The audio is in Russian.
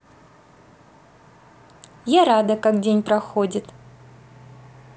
я рада как день проходит